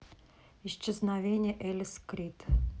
исчезновение элис крид